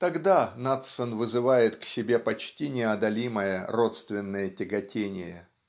тогда Надсон вызывает к себе почти неодолимое родственное тяготение.